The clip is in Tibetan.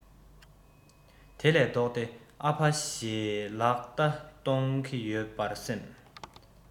དེ ལས ལྡོག སྟེ ཨ ཕ ཞེས ལག བརྡ གཏོང གི ཡོད པར སེམས